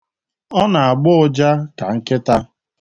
Ọ na-agbọ ụja ka nkịta.